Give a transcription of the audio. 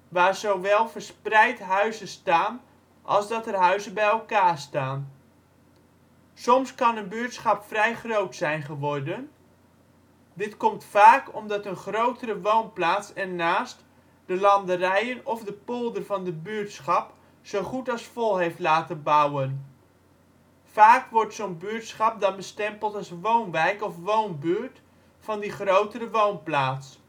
waar zowel verspreid huizen staan als dat er huizen bij elkaar staan. Soms kan een buurtschap vrij groot zijn geworden, dit komt vaak omdat een grotere woonplaats ernaast de landerijen of de polder van de buurtschap zo goed als vol heeft laten bouwen. Vaak wordt zo 'n buurtschap dan bestempeld als woonwijk of woonbuurt van die grotere woonplaats